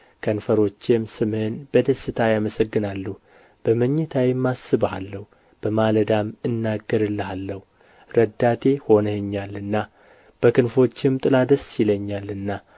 ከንፈሮቼም ስምህን በደስታ ያመሰግናሉ በመኝታዬም አስብሃለሁ በማለዳም እናገርልሃለሁ ረዳቴ ሆነኸኛልና በክንፎችህም ጥላ ደስ ይለኛልና